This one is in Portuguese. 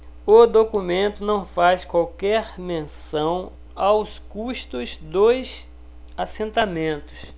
o documento não faz qualquer menção aos custos dos assentamentos